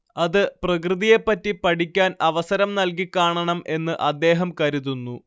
അത് പ്രകൃതിയെപറ്റി പഠിക്കാൻ അവസരം നൽകിക്കാണണമെന്ന് അദ്ദേഹം കരുതുന്നു